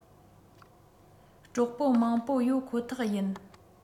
གྲོགས པོ མང པོ ཡོད ཁོ ཐག ཡིན